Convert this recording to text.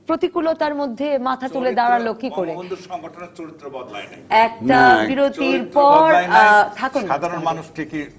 প্রতিকূলতার মধ্যে মাথা তুলে দাঁড়ালো কি করে বঙ্গবন্ধুর সংগঠনের চরিত্র বদলায় নাই না একটা বিরতির পর থাকুন সাধারণ মানুষ ঠিকই